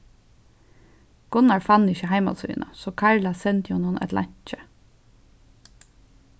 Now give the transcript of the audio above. gunnar fann ikki heimasíðuna so karla sendi honum eitt leinki